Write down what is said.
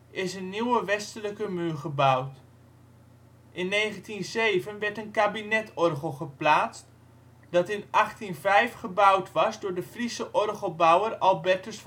is een nieuwe westelijke muur gebouwd. In 1907 werd een kabinetorgel geplaatst, dat in 1805 gebouwd was door de Friese orgelbouwer Albertus